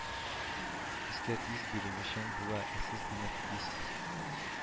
Хискә тиз бирелүчән була, ә сез, димәк, тиз